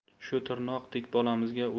shu tirnoqdek bolamizga